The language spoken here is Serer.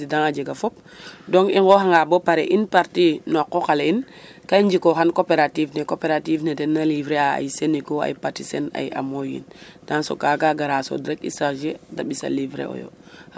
jega président a jega fop donc i nqooxanga bo pare une partie no qooq ale in ka i njikoxan coopérative ne. Coopérative ne naa livrer ay Senico, ay Patisen, ay Amo industrie dans ce cas ka gaara a soɗ rek i charger da ɓisaa livrer oyo